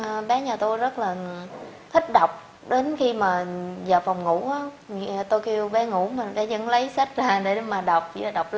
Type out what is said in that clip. bé nhà tôi rất là thích đọc đến khi mà vào phòng ngủ á nghe tôi kêu bé ngủ mà bé vẫn lấy sách ra để mà đọc chỉ là đọc